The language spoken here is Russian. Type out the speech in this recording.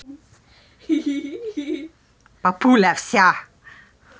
папуля все